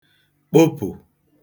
kpopụ̀